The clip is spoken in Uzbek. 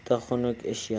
bitta xunuk ish yaxshi